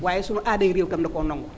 waaye sunu aaday réew itam dakoo nangu